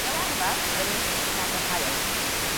fel arfar yn llygad yr haul